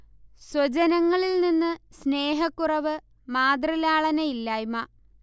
സ്വജനങ്ങളിൽ നിന്നു സ്നേഹക്കുറവ്, മാതൃലാളന ഇല്ലായ്മ